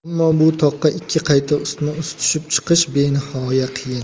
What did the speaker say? ammo bu toqqa ikki qayta ustma ust tushib chiqish benihoya qiyin